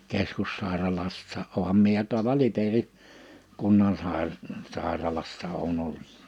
keskussairaalassa olenhan minä ja tuolla Liperin - kunnansairaalassa olen ollut